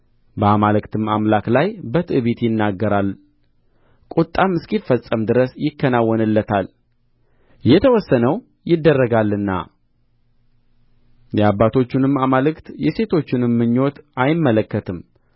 በአማልክትም አምላክ ላይ በትዕቢት ይናገራል ቍጣም እስኪፈጸም ድረስ ይከናወንለታል የተወሰነው ይደረጋልና የአባቶቹንም አማልክት የሴቶችንም ምኞት አይመለከትም